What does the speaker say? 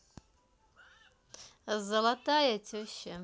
золотая теща